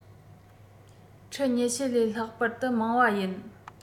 ཁྲི ༢༠ ལས ལྷག པར དུ མང བ ཡིན